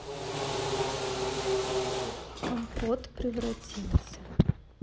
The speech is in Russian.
компот превратился